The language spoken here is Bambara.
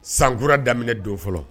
Sankura daminɛ don fɔlɔ don.